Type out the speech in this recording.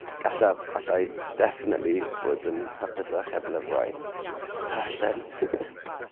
Gallaf allai definitely fod yn hapusach heb lyfrau achos wi byth yn darllen.